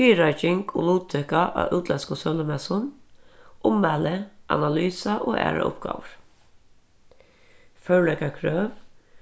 fyrireiking og luttøka á útlendskum sølumessum ummæli analysa og aðrar uppgávur førleikakrøv